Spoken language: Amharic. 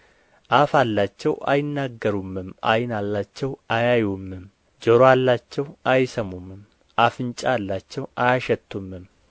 አፍ አላቸው አይናገሩምም ዓይን አላቸው አያዩምም ጆሮ አላቸው አይሰሙምም አፍንጫ አላቸው አያሸትቱምም